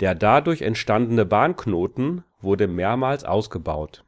Der dadurch entstandene Bahnknoten wurde mehrmals ausgebaut